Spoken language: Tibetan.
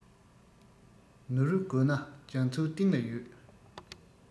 ནོར བུ དགོས ན རྒྱ མཚོའི གཏིང ལ ཡོད